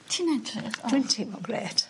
Ti'n edrych o. Dwi'n teimlo'n grêt.